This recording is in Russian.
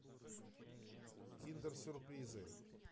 киндер сюрпризы